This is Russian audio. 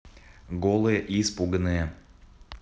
голые и испуганные